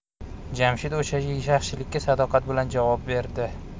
jamshid o'sha yaxshilikka sadoqat bilan javob berdi